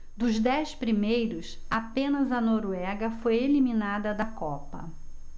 dos dez primeiros apenas a noruega foi eliminada da copa